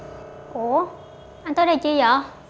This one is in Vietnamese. ủa anh tới đây chi dợ